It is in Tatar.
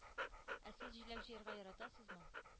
Ә сез җиләк җыярга яратасызмы?